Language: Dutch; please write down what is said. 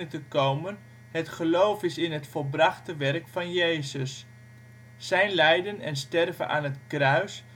komen geloof is in het ' volbrachte werk van Jezus ', zijn lijden en sterven aan het kruis